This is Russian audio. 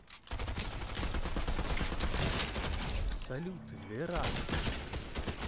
салют вера